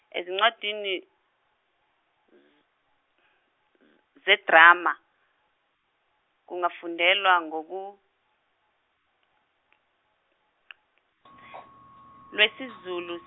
ezincwadini, z- z- zedrama kungafundwa ngoku- lwesiZulu.